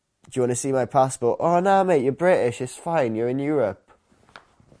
do you wanna see my passport o na mate you're British it's fine you're in Europe.